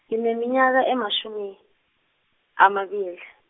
ngineminyaka ematjhumi, amabili.